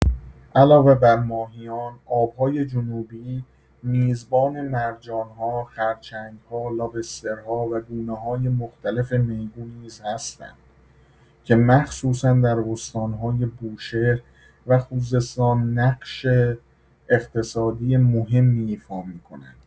علاوه بر ماهیان، آب‌های جنوبی میزبان مرجان‌ها، خرچنگ‌ها، لابسترها و گونه‌های مختلف میگو نیز هستند که مخصوصا در استان‌های بوشهر و خوزستان نقش اقتصادی مهمی ایفا می‌کنند.